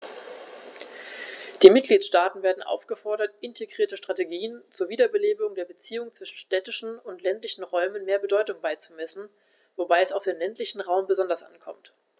Die Mitgliedstaaten werden aufgefordert, integrierten Strategien zur Wiederbelebung der Beziehungen zwischen städtischen und ländlichen Räumen mehr Bedeutung beizumessen, wobei es auf den ländlichen Raum besonders ankommt.